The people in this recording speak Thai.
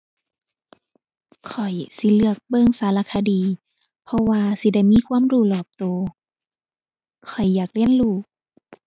ข้อยสิเลือกเบิ่งสารคดี เพราะว่าสิได้มีความรู้รอบตัว ข้อยอยากเรียนรู้